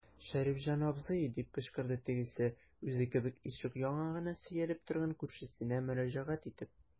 Шәрифҗан абзый, - дип кычкырды тегесе, үзе кебек ишек яңагына сөялеп торган күршесенә мөрәҗәгать итеп.